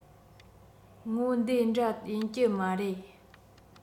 ངོ མ དེ འདྲ ཡིན གྱི མ རེད